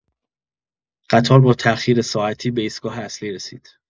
قطار با تاخیر ساعتی به ایستگاه اصلی رسید.